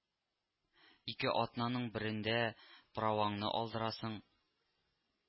Ике атнаның берендә праваңны алдырасың